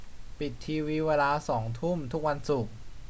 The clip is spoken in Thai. ปิดทีวีเวลาสองทุ่มทุกวันศุกร์